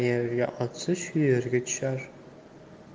qayerga otsa shu yerga tushar